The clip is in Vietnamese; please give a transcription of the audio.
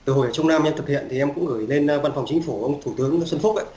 từ hồi trong nam em thực hiện thì em cũng gửi lên văn phòng chính phủ ông thủ tướng nguyễn xuân phúc ấy